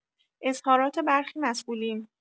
اظهارات برخی مسئولین